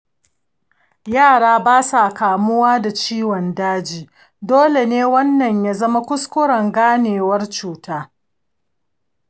yara ba sa kamuwa da ciwon daji, dole ne wannan ya zama kuskuren ganewar cuta.